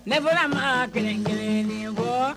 Ne fɔra ma kelen kelen kɔ